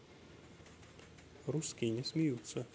русские не смеются